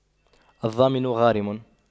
الضامن غارم